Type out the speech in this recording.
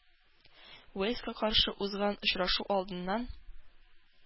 Уэльска каршы узган очрашу алдыннан